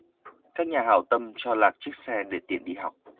các nhà hảo tâm cho lạc chiếc xe để tiện đi học